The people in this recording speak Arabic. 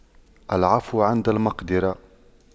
العفو عند المقدرة